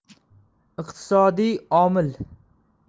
iqtisodiy omil